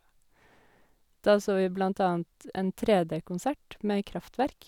Da så vi blant annet en 3D-konsert med Kraftwerk.